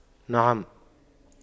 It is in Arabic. نعم